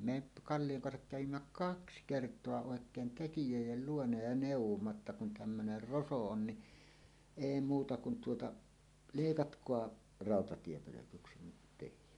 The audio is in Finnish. me - Kallion kanssa kävimme kaksi kertaa oikein tekijöiden luona ja neuvoimme jotta kun tämmöinen roso on niin ei muuta kuin tuota leikatkaa rautatiepölkyksi nyt tekin